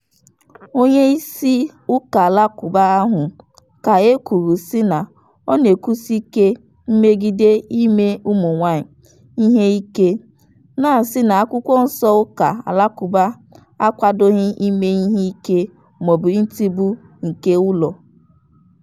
Onye isi ụka alakụba ahụ ka e kwuru sị na ọ na-ekwusike megide ịme ụmụ nwaanyị ihe ike, na-asị na akwụkwọ nsọ ụka alakụba akwadoghị ịme ihe ike maọbụ ntigbu nke ụlọ.